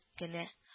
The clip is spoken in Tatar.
Генә